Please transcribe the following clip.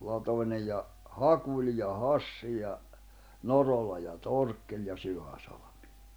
latoineen ja Hakuli ja Hassi ja Norola ja Torkkeli ja Syväsalmi